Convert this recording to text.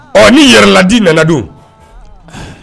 Ɔ ni yɛrɛladi nana dun